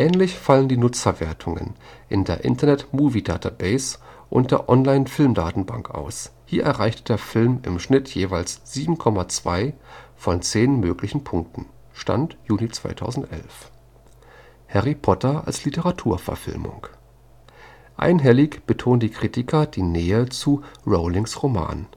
Ähnlich fallen die Nutzerwertungen in der Internet Movie Database und der Online-Filmdatenbank aus: Hier erreicht der Film im Schnitt jeweils 7,2 von 10 möglichen Punkten. (Stand: Juni 2011) Harry Potter als Literaturverfilmung Einhellig betonten die Kritiker die Nähe zu Rowlings Roman